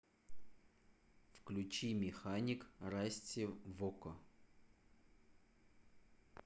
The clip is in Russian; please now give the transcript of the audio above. включи механик расти в окко